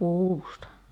puusta